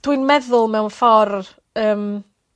Dwi'n meddwl mewn ffor yym